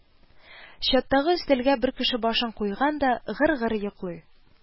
Чаттагы өстәлгә бер кеше башын куйган да гыр-гыр йоклый